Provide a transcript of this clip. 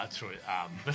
A trwy am.